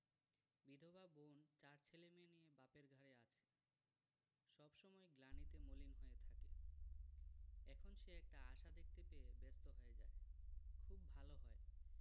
বিধবা বোন চার ছেলেমেয়ে নিয়ে বাপের ঘাড়ে আছে সব সময় গ্লানিতে মলিন হয়ে থাকে এখন সে একটা আশা দেখতে পেয়ে ব্যস্ত হয়ে যায় খুব ভালো হয়